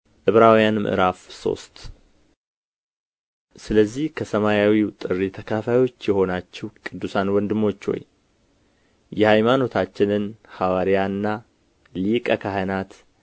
ዕብራውያን ምዕራፍ ሶስት ስለዚህ ከሰማያዊው ጥሪ ተካፋዮች የሆናችሁ ቅዱሳን ወንድሞች ሆይ የሃይማኖታችንን ሐዋርያና ሊቀ ካህናት